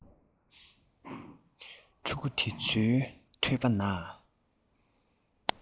ཕྲུ གུ དེ ཚོའི ཐོད པ ནས